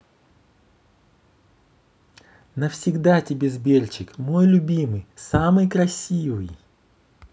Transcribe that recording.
навсегда тебе сберчик мой любимый самый красивый